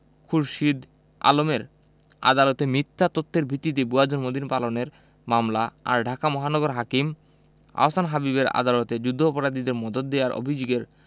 খুরশীদ আলমের আদালতে মিথ্যা তথ্যের ভিত্তিতে ভুয়া জন্মদিন পালনের মামলা আর ঢাকা মহানগর হাকিম আহসান হাবীবের আদালতে যুদ্ধাপরাধীদের মদদ দেওয়ার অভিযোগের